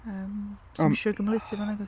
Yym sna'm isio cymhlethu fo nag oes?